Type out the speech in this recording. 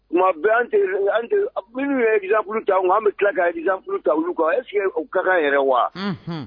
Tuma bɛ an minnu bɛ exemple t'an k'u na an bɛ tila ka exemple ta olu kuna est-ce que o ka kan yɛrɛ wa? Unhun.